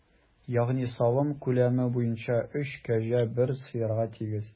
Ягъни савым күләме буенча өч кәҗә бер сыерга тигез.